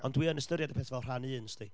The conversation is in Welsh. Ond dwi yn ystyried y peth fel rhan un sdi.